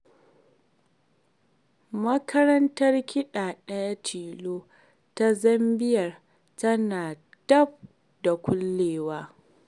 Makarantar kiɗa ɗaya tilo ta Zanzibar tana dab da kullewa.